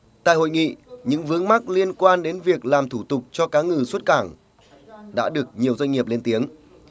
tại hội nghị những vướng mắc liên quan đến việc làm thủ tục cho cá ngừ xuất cảng đã được nhiều doanh nghiệp lên tiếng